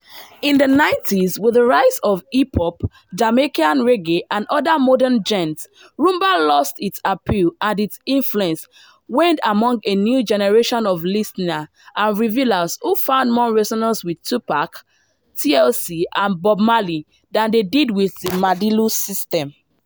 In the 1990s, with the rise of hip-hop, Jamaican Reggae, and other modern genres, Rhumba lost its appeal and its influence waned among a new generation of listeners and revealers who found more resonance with Tupac, TLC, and Bob Marley than they did with Madilu system.